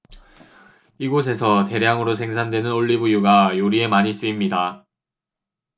이곳에서 대량으로 생산되는 올리브유가 요리에 많이 쓰입니다